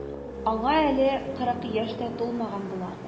Аңа әле кырык яшь тә тулмаган була.